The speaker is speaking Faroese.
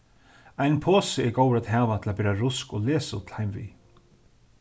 ein posi er góður at hava til at bera rusk og lesull heim við